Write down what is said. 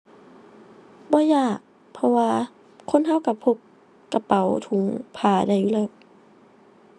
บ่ยาก เพราะว่าคนเราเราพกกระเป๋าถุงผ้าได้อยู่แล้ว